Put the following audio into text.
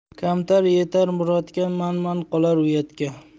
kamtar yetar murodga manman qolar uyatga